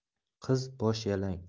qiz bosh yalang